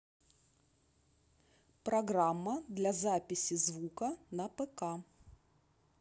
программа для записи звука на пк